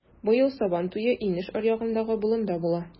Быел Сабантуе инеш аръягындагы болында була.